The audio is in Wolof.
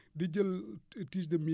di jël tiges de mil